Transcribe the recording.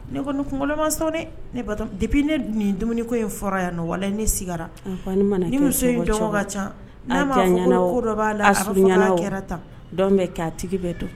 Ne kɔni kuŋolo ma sɔn nɛ ne batom depuis ned nin dumuni ko in fɔra yan nɔ walahi ne sigira a kɔni mana kɛ o cogo cogo a jaɲana o a suruɲana o nin muso in dɔgɔ ka can n'a m'a fɔ ko ko dɔ b'a la a b'a fɔ k'a kɛra tan donc que a tigi be dɔn